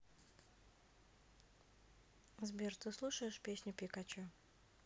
сбер ты слушаешь песню пикачу